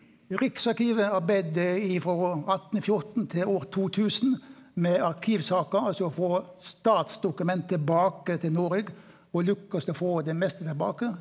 Riksarkivet arbeidde ifrå 1814 til år 2000 med arkivsaker altså få statsdokument tilbake til Noreg og lukkast å få det meste tilbake.